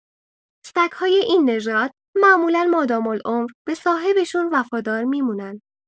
سگ‌های این نژاد معمولا مادام‌العمر به صاحبشون وفادار می‌مونن.